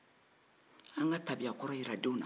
an ka tabiya kɔrɔ yira denw na